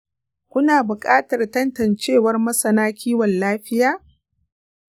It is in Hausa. ku na buƙatar tantacewar masana kiwon-lafiya